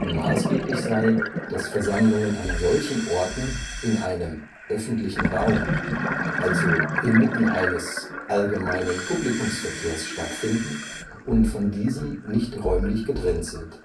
Maßgeblich sei, dass Versammlungen an solchen Orten in einem „ öffentlichen Raum “, also inmitten eines „ allgemeinen Publikumsverkehrs “stattfinden und von diesem nicht räumlich getrennt sind